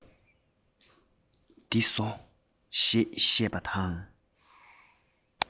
འདི ཟོ ཞེས བཤད པ དང